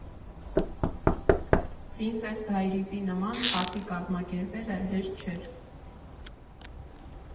Փրինսեզ Դայրիզի նման փարթի կազմակերպելը հեշտ չէր։